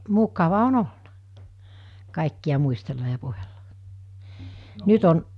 mukava on ollut kaikkia muistella ja puhella nyt on